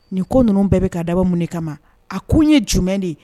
Nin ko ninnu bɛɛ bɛ ka dabɔ mun de kama a ko ɲɛ ye jumɛn de ye?